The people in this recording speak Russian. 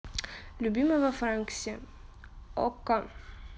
любимый во франксе okko